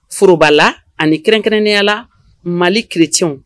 Foroba la ani kɛrɛnkɛrɛnya la Mali chrétien .